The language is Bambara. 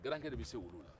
garankɛ de bɛ s'olu la